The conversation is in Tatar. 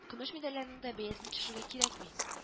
Көмеш медальләрнең дә бәясен төшерергә кирәкми